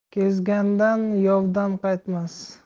kezangan yovdan qaytmas